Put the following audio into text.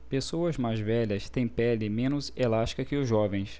pessoas mais velhas têm pele menos elástica que os jovens